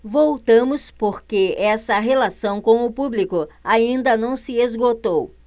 voltamos porque essa relação com o público ainda não se esgotou